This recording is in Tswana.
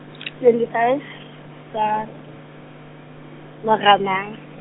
twenty five, tsa, Moranang.